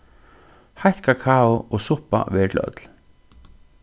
heitt kakao og suppa verður til øll